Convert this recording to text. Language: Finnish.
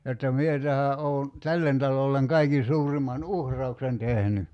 jotta minä tähän olen tälle talolle kaikkein suurimman uhrauksen tehnyt